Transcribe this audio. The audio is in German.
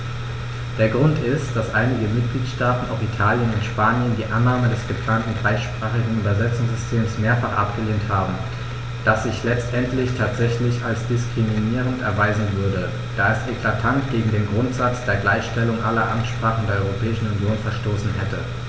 Der Grund ist, dass einige Mitgliedstaaten - auch Italien und Spanien - die Annahme des geplanten dreisprachigen Übersetzungssystems mehrfach abgelehnt haben, das sich letztendlich tatsächlich als diskriminierend erweisen würde, da es eklatant gegen den Grundsatz der Gleichstellung aller Amtssprachen der Europäischen Union verstoßen hätte.